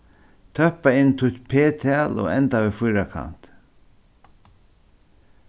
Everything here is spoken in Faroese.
tøppa inn títt p-tal og enda við fýrakanti